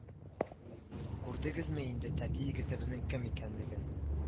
Күрдегезме инде тәти егетебезнең кем икәнлеген